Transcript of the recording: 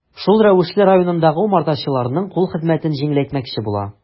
Шул рәвешле районындагы умартачыларның кул хезмәтен җиңеләйтмәкче була.